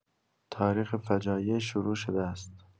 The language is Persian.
تاریخ فجایع شروع شده است.